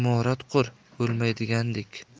imorat qur o'lmaydigandek